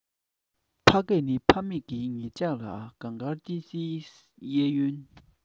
ཕ སྐད ནི ཕ མེས ཀྱིས ངེད ཅག ལ གངས དཀར ཏི སིའི གཡས གཡོན